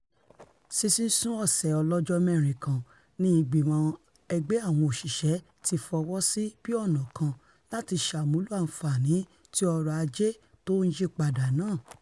Sísún sí ọ̀sẹ̀ ọlọ́jọ́-mẹ́rin kan ni Ìgbìmọ̀ Ẹgbẹ́ Àwọn Òṣìṣẹ́ ti fọwọsí bí ọ̀nà kan láti ṣàmúlò àǹfààní ti ọrọ̀-ajé tó ńyípadà náà.